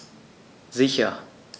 Sicher.